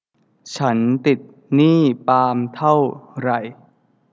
ฉันติดหนี้ปาล์มเท่าไร